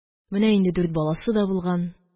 Менә инде дүрт баласы да булган.